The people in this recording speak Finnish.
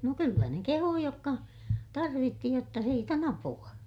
no kyllä ne kehui jotka tarvitsi jotta siitä on apua